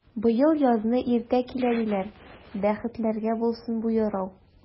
Быел язны иртә килә, диләр, бәхетләргә булсын бу юрау!